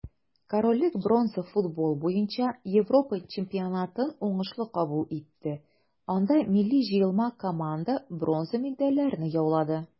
Корольлек бронза футбол буенча Европа чемпионатын уңышлы кабул итте, анда милли җыелма команда бронза медальләрне яулады.